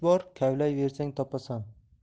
bor kavlaybersang topasan